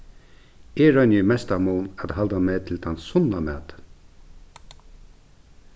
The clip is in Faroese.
eg royni í mestan mun at halda meg til tann sunna matin